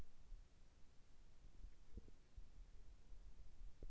чемпион две тысячи восемнадцать